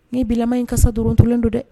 Nii bima in kasa dɔrɔntulen don dɛ